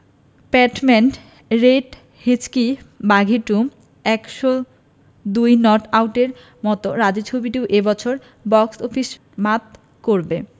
Padman Raid Hichki Baaghi two ১০২ Not আউটের মতো রাজী ছবিটিও এ বছর বক্স অফিস মাত করবে